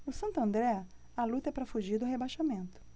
no santo andré a luta é para fugir do rebaixamento